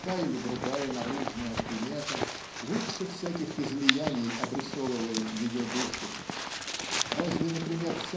та или другая наружная примета лучше всяких излияний обрисовывает ее душу. Разве например